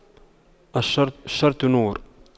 الشرط نور